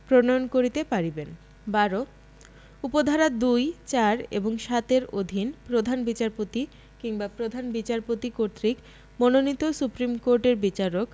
প্রণয়ন করিতে পারিবেন ১২ উপ ধারা ২ ৪ এবং ৭ এর অধীন প্রধান বিচারপতি কিংবা প্রধান বিচারপতি কর্তৃক মনোনীত সুপ্রীম কোর্টের বিচারক